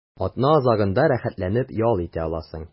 Атна азагында рәхәтләнеп ял итә аласың.